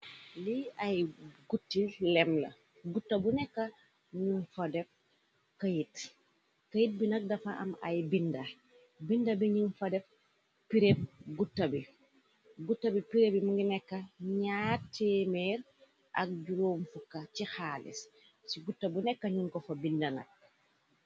Lii ay guuti lem la, guta bu nekka ñu fa def kayit, kayit bi nak dafa am ay binda, binda bi ñu fa def pireb gutta bi, gutta bi pire bi mungi nekka ñaar téemeer ak juróom fukka ci xaalis, ci guta bu nekka ñun ko fa bind nak.